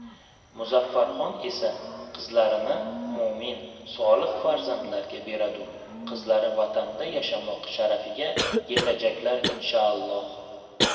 muzaffarxon esa qizlarini mo''min solih farzandlarga beradur qizlari vatanda yashamoq sharafiga yetajaklar inshoolloh